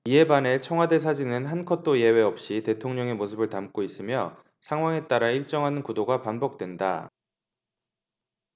이에 반해 청와대 사진은 한 컷도 예외 없이 대통령의 모습을 담고 있으며 상황에 따라 일정한 구도가 반복된다